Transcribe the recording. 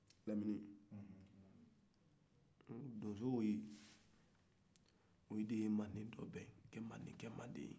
lamini donsow de ye manden laben ka manden kɛ manden ye